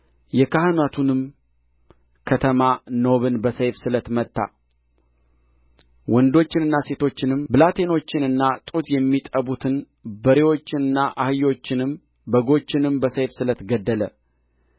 የካህናቱም ከተማ ኖብን በሰይፍ ስለት መታ ወንዶችንና ሴቶችንም ብላቴኖችንና ጡት የሚጠቡትን በሬዎችንና አህዮችንም በጎችንም በሰይፍ ስለት ገደለ